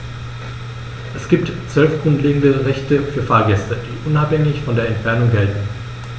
Es gibt 12 grundlegende Rechte für Fahrgäste, die unabhängig von der Entfernung gelten.